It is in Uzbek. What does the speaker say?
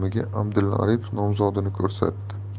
lavozimiga abdulla aripov nomzodini ko'rsatdi